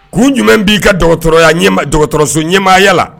K'u jumɛn b'i ka dɔgɔtɔrɔya ɲɛ dɔgɔtɔrɔso ɲɛmaaya la